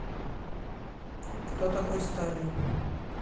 кто такой сталин